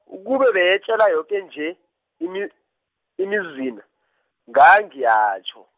ukube beyetjelwa yoke nje, imi- imizana, ngangiyatjho.